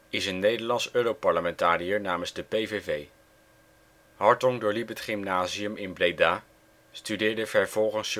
is een Nederlands Europarlementariër namens de PVV. Hartong doorliep het gymnasium in Breda, studeerde vervolgens